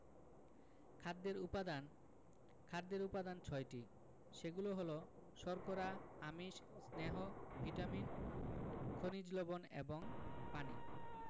খাদ্যের উপাদান খাদ্যের উপাদান ছয়টি সেগুলো হলো শর্করা আমিষ স্নেহ ভিটামিন খনিজ লবন এবং পানি